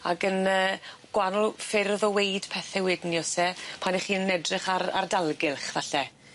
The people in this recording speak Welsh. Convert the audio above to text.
Ag yn yy gwanol ffyrdd o weud pethe wedyn 'ny o's e pan 'ych chi'n edrych ar ardalgylch falle?